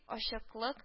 Ачыклык